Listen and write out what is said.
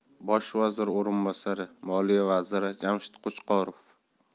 bosh vazir o'rinbosari moliya vaziri jamshid qo'chqorov